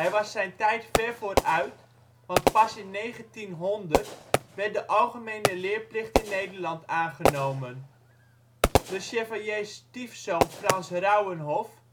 was zijn tijd ver vooruit, want pas in 1900 werd de algemene leerplicht in Nederland aangenomen! Le Chevalier 's stiefzoon, Frans Rauwenhoff